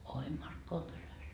oi Markkovan kylässä